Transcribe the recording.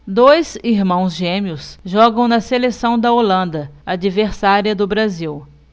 dois irmãos gêmeos jogam na seleção da holanda adversária do brasil